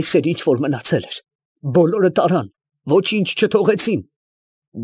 Այս էր, ինչ որ մնացել էր. բոլորը տարան, ոչինչ չթողեցին…։